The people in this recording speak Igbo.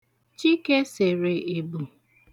Chike sere ebu.